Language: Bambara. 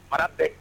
Mara bɛ